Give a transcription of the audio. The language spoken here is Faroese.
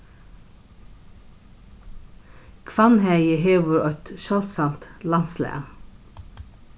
hvannhagi hevur eitt sjáldsamt landslag